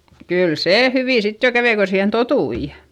kyllä se hyvin sitten jo kävi kun siihen tottui